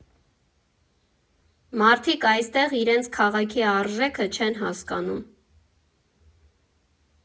Մարդիկ այստեղ իրենց քաղաքի արժեքը չեն հասկանում։